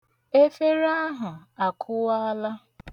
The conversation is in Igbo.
Efere ahụ akụwaala.